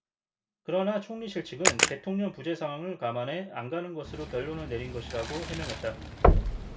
그러나 총리실측은 대통령 부재 상황을 감안해 안 가는 것으로 결론을 내린 것이라고 해명했다